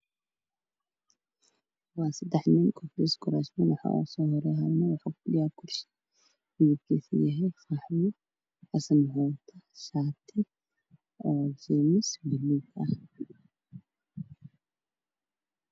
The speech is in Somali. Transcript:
Waa seddex nin Waxaa yaalo kuraasman nin waxuu kufadhiyaa kursi qaxwi ah asagana waxuu wataa shaati buluug ah.